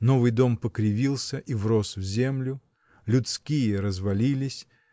Новый дом покривился и врос в землю людские развалились